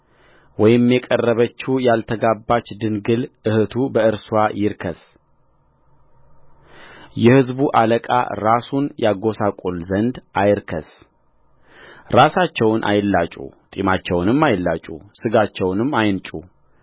ወይም የቀረበችው ያልተጋባች ድንግል እኅቱ በእርስዋ ይርከስየሕዝቡ አለቃ ራሱን ያጐሰቍል ዘንድ አይርከስራሳቸውን አይላጩ ጢማቸውንም አይላጩ ሥጋቸውንም አይንጩ